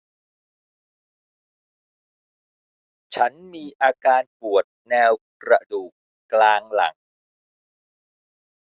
ฉันมีอาการปวดแนวกระดูกกลางหลัง